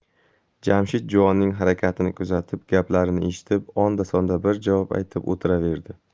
jamshid juvonning harakatini kuzatib gaplarini eshitib onda sonda bir javob aytib o'tiraverdi